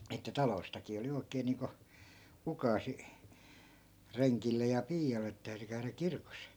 että taloistakin oli oikein niin kuin ukaasi rengille ja piialle että täytyi käydä kirkossa